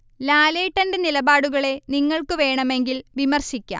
ലാലേട്ടന്റെ നിലപാടുകളെ നിങ്ങൾക്ക്‌ വേണമെങ്കിൽ വിമർശിക്കാം